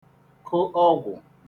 kụ ọgwụ̀